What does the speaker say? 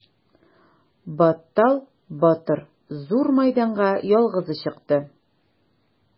Баттал батыр зур мәйданга ялгызы чыкты.